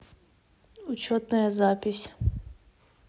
учетная запись